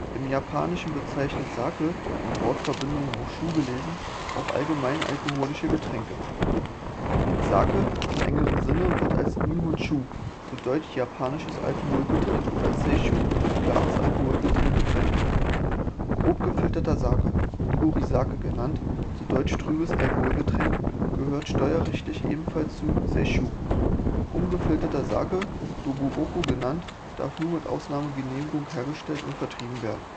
Im Japanischen bezeichnet Sake – in Wortverbindungen auch Shu gelesen – auch allgemein alkoholische Getränke. Sake im engeren Sinne wird als Nihonshu (日本酒, „ japanisches Alkoholgetränk “) oder Seishu (清酒, „ klares Alkoholgetränk “) bezeichnet. Grobgefilteter Sake, Nigorizake (濁り酒, „ trübes Alkoholgetränk “), gehört steuerrechtlich ebenfalls zu Seishu. Ungefilteter Sake, Doburoku (どぶろく bzw. 濁酒/濁醪), darf nur mit Ausnahmegenehmigung hergestellt und vertrieben werden